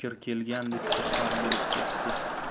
fikr kelgandek xursand bo'lib ketdi